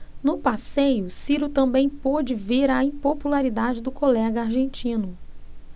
no passeio ciro também pôde ver a impopularidade do colega argentino